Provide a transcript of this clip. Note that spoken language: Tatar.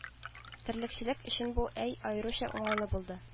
Терлекчелек өчен бу әй аеруча уңайлы булды